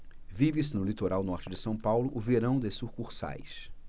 vive-se no litoral norte de são paulo o verão das sucursais